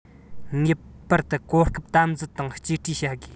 ངེས པར དུ གོ སྐབས དམ འཛིན དང གཅེས སྤྲས བྱ དགོས